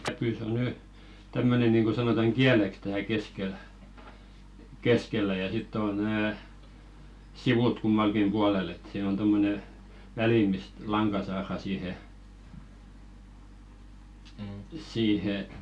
käpy se on nyt tämmöinen niin kuin sanotaan kieleksi täällä keskellä keskellä ja sitten on nämä sivut kummallakin puolella että siinä on tuommoinen väli mistä lanka saadaan siihen siihen